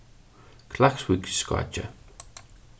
klaksvíksskákið